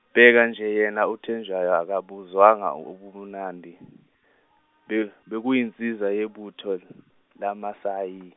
bheka nje yena uTajewo akabuzwa nga ubumnandi be- beku- yinsizwa yebutho lamaMasayi.